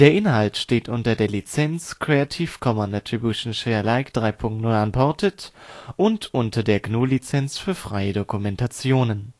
Inhalt steht unter der Lizenz Creative Commons Attribution Share Alike 3 Punkt 0 Unported und unter der GNU Lizenz für freie Dokumentation